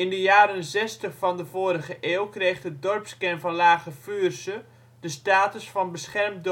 de jaren zestig van de vorige eeuw kreeg de dorpskern van Lage Vuursche de status van beschermd